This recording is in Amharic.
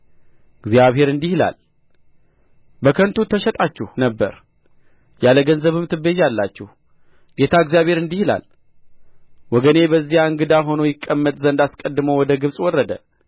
እግዚአብሔር እንዲህ ይላል በከንቱ ተሽጣችሁ ነበር ያለ ገንዘብም ትቤዣላችሁ ጌታ እግዚአብሔር እንዲህ ይላል ወገኔ በዚያ እንግዳ ሆኖ ይቀመጥ ዘንድ አስቀድሞ ወደ ግብጽ ወረደ